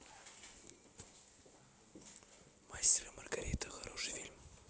мастер и маргарита хороший фильм